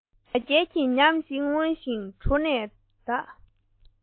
ང རྒྱལ གྱི ཉམས ཤིག མངོན བཞིན གྲོ ནས དག